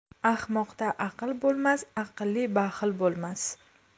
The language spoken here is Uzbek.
ahmoqda aql bo'lmas aqlli baxil bo'lmas